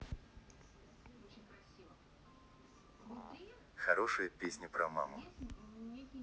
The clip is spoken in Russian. хорошая песня про маму